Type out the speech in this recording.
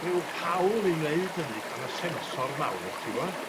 ryw hawl i wneud hynny gan y sensor mawr ti 'bo